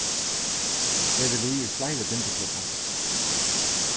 eg eri við í fleiri bindiklubbum